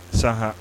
Sa